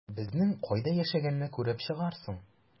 Безнең кайда яшәгәнне күреп чыгарсың...